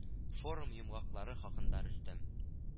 Форум йомгаклары хакында Рөстәм